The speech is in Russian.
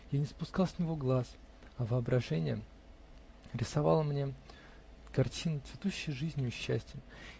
Я не спускал с него глаз, а воображение рисовало мне картины, цветущие жизнью и счастьем.